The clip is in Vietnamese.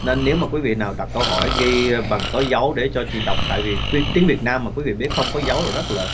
nên nếu quý vị nào đặt câu hỏi ghi bằng có dấu để cho chị đọc tại vì biết tiếng việt nam mà quý vị biết không có dấu là rất lợi